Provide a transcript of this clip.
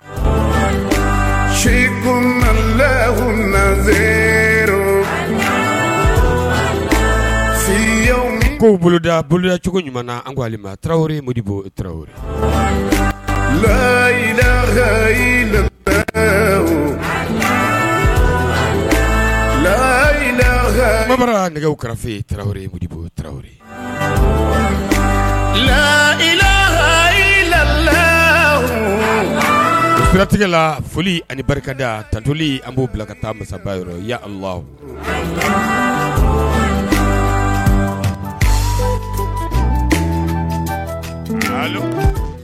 Siriku le z siri ko boloda bolocogo ɲuman na an ko a taraweleri bolibo taraweleori la bamanan nɛgɛ karafe ye taraweleri yebo taraweleohilala siratigɛla foli ani barika tajli an b'o bila ka taa masabayɔrɔ ya